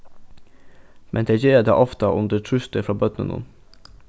men tey gera tað ofta undir trýsti frá børnunum